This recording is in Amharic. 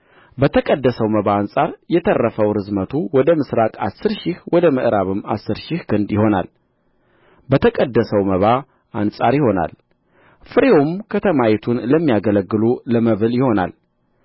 በተቀደሰው መባ አንጻር የተረፈው ርዝመቱ ወደ ምሥራቅ አሥር ሺህ ወደ ምዕራብም አሥር ሺህ ክንድ ይሆናል በተቀደሰው መባ አንጻር ይሆናል ፍሬውም ከተማይቱን ለሚያገለግሉ ለመብል ይሆናል